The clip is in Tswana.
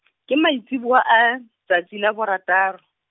ke maitsiboa a, tsatsi la borataro.